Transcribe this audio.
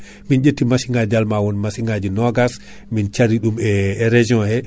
min ƴetti machine naji dal ma won massiŋaji nogass min caari ɗum e région he